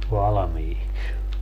valmiiksi